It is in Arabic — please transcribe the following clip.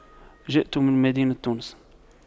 جئت من مدينة تونس